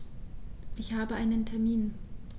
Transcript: Ich habe einen Termin.